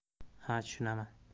ha tushunaman